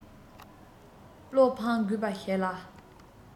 བློ ཕངས དགོས པ ཞིག ལ